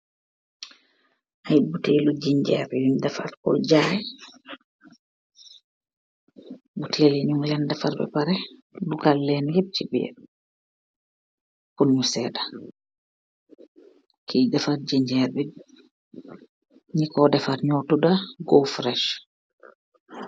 Ay botale jingar yun defarr pul jay botale yi nyun lenn dafar bapareh dugal lenn yeep si bir pul mu seeda ki defar jinjare be nyu ko dafer nyo todah go fresh.